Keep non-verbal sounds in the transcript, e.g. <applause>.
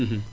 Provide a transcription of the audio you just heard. <hesitation> <hesitation>